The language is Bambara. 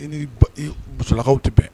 I ni musolakaw tɛ bɛn